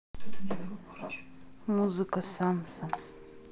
музыка санса